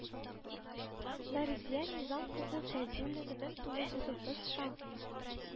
Мәрзия Низам кызы Фәйзуллина мең тугйз йөз утыз шагыйрь